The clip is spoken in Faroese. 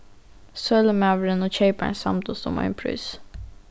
sølumaðurin og keyparin samdust um ein prís